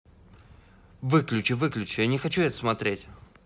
выключи выключи я не хочу это смотреть